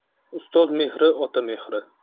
ustoz mehri ota mehri